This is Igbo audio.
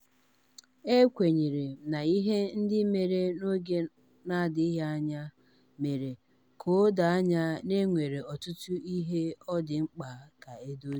Ekwenyere m na ihe ndị mere n'oge na-adịbeghị anya mere ka o doo anya na e nwere ọtụtụ ihe ọ dị mkpa ka e dozie.